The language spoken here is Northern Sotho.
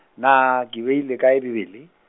naa, ke beile kae Bibele?